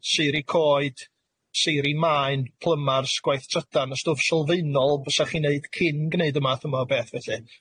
Seiri coed, seiri maen, plymars, gwaith trydan: y stwff sylfaenol fysach chi'n neud cyn gneud y math yma o beth felly.